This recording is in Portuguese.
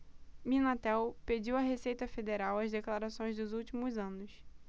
minatel pediu à receita federal as declarações dos últimos anos